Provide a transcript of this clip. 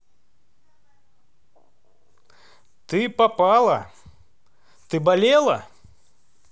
ты попала ты болела